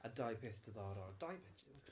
A dau peth diddorol. Dau peth? Jiw, jiw.